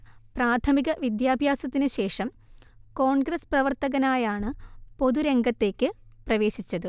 പ്രാഥമിക വിദ്യഭ്യാസത്തിന് ശേഷം കോൺഗ്രസ് പ്രവർത്തകനായാണ് പൊതുരംഗത്തേക്ക് പ്രവേശിച്ചത്